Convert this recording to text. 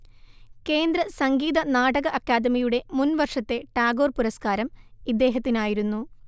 കേന്ദ്രസംഗീതനാടക അക്കാദമിയുടെ മുൻവർഷത്തെ ടാഗോർ പുരസ്കാരം ഇദ്ദേഹത്തിനായിരുന്നു